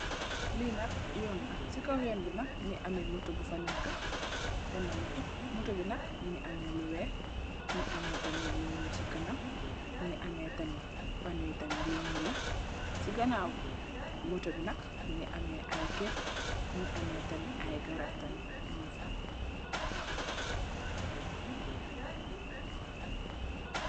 linak Yoon la ci kaw Yoon bi nak mugi am moto bufi neka bena moto moto bi nak mugi amelu wex mugi ame lu njul ci kaname pano you njul ci ganaw motobi nak mugi ame ay kar mugi ame ay grab tamit